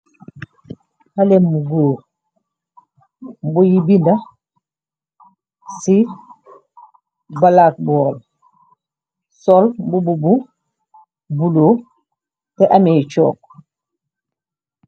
Halebu guur buy bindax ci balakbool, sol bu bu bu budo te améy cook.